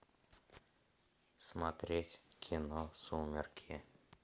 смотреть кино сумерки